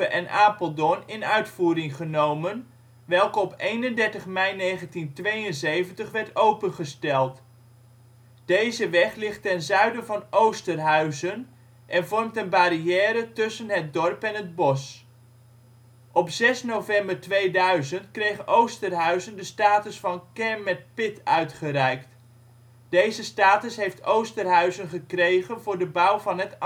en Apeldoorn in uitvoering genomen, welke op 31 mei 1972 werd opengesteld. Deze weg ligt ten zuiden van Oosterhuizen en vormt een barrière tussen het dorp en het bos. Op 6 november 2000 kreeg Oosterhuizen de status van “Kern met Pit” uitgereikt. Deze status heeft Oosterhuizen gekregen voor de bouw van het